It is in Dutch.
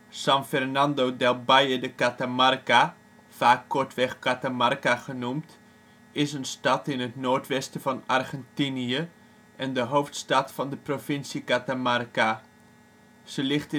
San Fernando del Valle de Catamarca, vaak kortweg Catamarca genoemd, is een stad in het noordwesten van Argentinië en de hoofdstad van de provincie Catamarca. Ze ligt